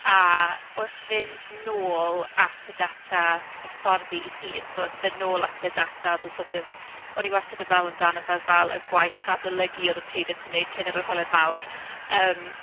A wrth fynd nôl at y data hyfforddi ei hun, so wrth fynd nôl at y data oedd yn sort of... o'n i wastad yn meddwl amdano fel y gwaith adolygu oedd y peiriant yn wneud cyn yr arholiad mawr yym.